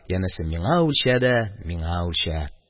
Янәсе, миңа үлчә дә, миңа үлчә.